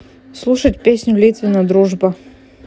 слушать песню литвина дружба